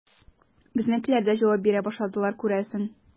Безнекеләр дә җавап бирә башладылар, күрәсең.